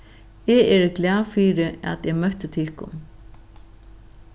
eg eri glað fyri at eg møtti tykkum